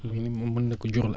xëy na moom mën na ko jural